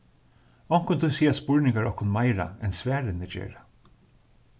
onkuntíð siga spurningar okkum meira enn svarini gera